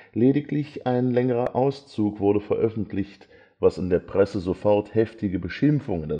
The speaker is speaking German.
Lediglich ein längerer Auszug wurde veröffentlicht, was in der Presse sofort heftige Beschimpfungen